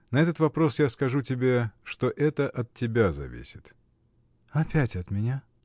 На этот вопрос я скажу тебе, что это от тебя зависит. — Опять от меня?